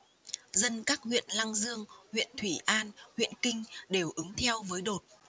dân các huyện lăng dương huyện thủy an huyện kinh đều ứng theo với đột